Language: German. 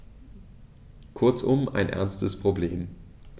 Kurzum, ein ernstes Problem.